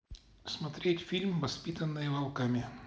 смотреть фильм воспитанные волками